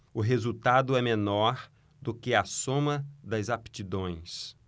o resultado é menor do que a soma das aptidões